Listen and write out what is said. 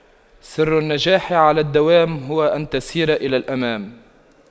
سر النجاح على الدوام هو أن تسير إلى الأمام